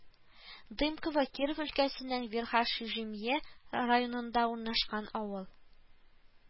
Дымково Киров өлкәсенең Верхошижемье районында урнашкан авыл